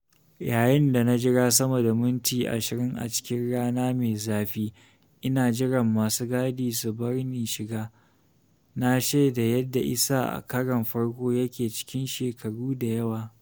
Yayin da na jira sama da minti 20 a cikin rana mai zafi ina jiran masu gadi su bar ni shiga, na shaida yadda isa a karon farko yake cikin shekaru da yawa.